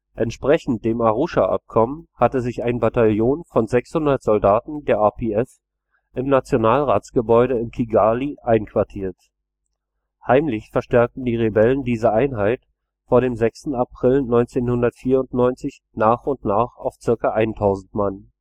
Entsprechend dem Arusha-Abkommen hatte sich ein Bataillon von 600 Soldaten der RPF im Nationalratsgebäude in Kigali einquartiert. Heimlich verstärkten die Rebellen diese Einheit vor dem 6. April 1994 nach und nach auf zirka 1000 Mann